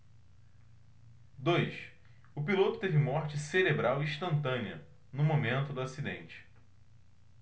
dois o piloto teve morte cerebral instantânea no momento do acidente